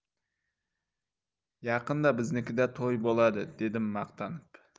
yaqinda biznikida to'y bo'ladi dedim maqtanib